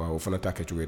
A o fana taa kɛ cogo ye